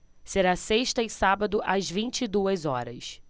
será sexta e sábado às vinte e duas horas